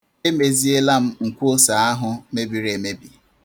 E meziela m nkwoose ahụ mebiri emebi.